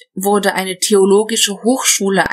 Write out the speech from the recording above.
wurde eine theologische Hochschule